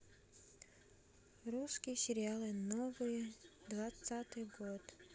русские сериалы новые двадцатый год